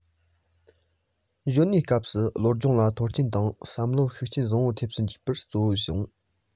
གཞོན ནུའི སྐབས སུ བློ སྦྱོང ལ མཐོང ཆེན དང བསམ བློར ཤུགས རྐྱེན བཟང པོ ཐེབས སུ འཇུག པ གཙོ བོར བཟུང